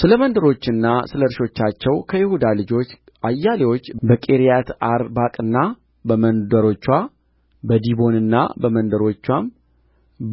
ስለ መንደሮቹና ስለ እርሾቻቸው ከይሁዳ ልጆች አያሌዎች በቂርያትአርባቅና በመንደሮችዋ በዲቦንና በመንደሮችዋም